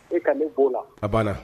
E ka ne e don o la, a banna.